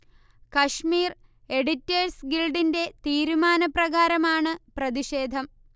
Kashmir editors ഗിൽഡിന്റെ തീരുമാനപ്രകാരമാണ് പ്രതിഷേധം